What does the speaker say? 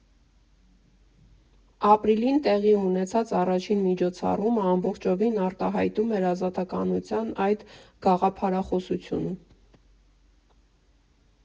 Ապրիլին տեղի ունեցած առաջին միջոցառումը ամբողջովին արտահայտում էր ազատականության այդ գաղափարախոսությունը։